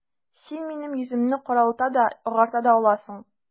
Син минем йөземне каралта да, агарта да аласың...